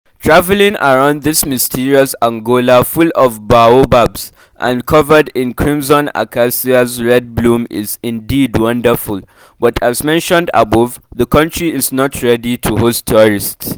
Travelling around this mysterious Angola full of baobabs and covered in the Crimson Acacia‘s red bloom is, indeed, wonderful, but as mentioned above, the country is not ready to host tourists.